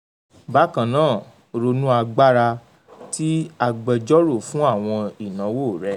Bákan náà, ronú agbára tí agbẹjọ́rò fún àwọn ìnáwó rẹ.